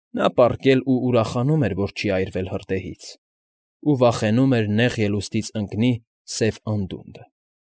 Նա պառկել և ուրախանում էր, որ չի այրվել հրդեհից, ու վախենում էր նեղ ելուստից ընկնի սև անդունդը։